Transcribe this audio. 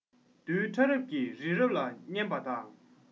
རྡུལ ཕྲ རབ ཀྱིས རི རབ ལ བསྙེགས པ དང